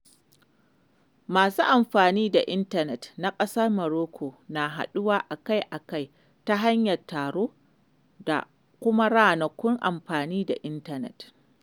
Masu amfani da intanet na ƙasar Morocco na haɗuwa a-kai-a-kai ta hanyar taro da kuma ranakun amfani da intanet.